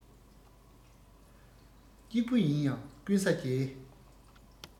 གཅིག པུ ཡིན ང ཀུན ས རྒྱལ